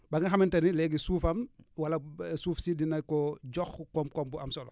ba nga xamante ne léegi suufam wala suuf si di na ko jox koom-koom bu am solo